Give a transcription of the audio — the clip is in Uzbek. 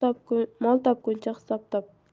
mol topguncha hisob top